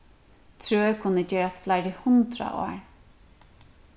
trø kunnu gerast fleiri hundrað ár